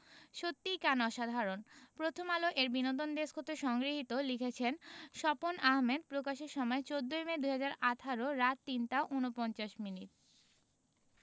সত্যিই কান অসাধারণ প্রথমআলো এর বিনোদন ডেস্ক হতে সংগৃহীত লিখেছেনঃ স্বপন আহমেদ প্রকাশের সময় ১৪মে ২০১৮ রাত ৩টা ৪৯ মিনিট